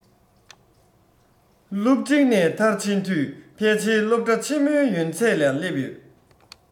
སློབ འབྲིང ནས མཐར ཕྱིན དུས ཕལ ཆེར སློབ གྲྭ ཆེན མོའི ཡོན ཚད ལ སླེབས ཡོད